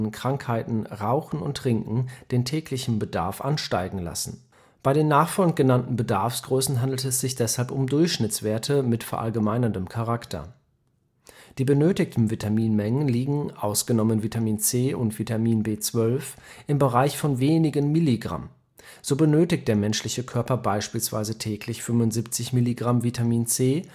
Krankheiten, Rauchen und Trinken den täglichen Vitaminbedarf ansteigen lassen. Bei den nachfolgend genannten Bedarfsgrößen handelt es sich deshalb um Durchschnittswerte mit verallgemeinerndem Charakter. Die benötigten Vitaminmengen liegen, ausgenommen Vitamin C und Vitamin B12, im Bereich von wenigen Milligramm (mg). So benötigt der menschliche Körper beispielsweise täglich 75 mg Vitamin C